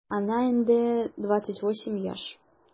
Аңа инде 28 яшь.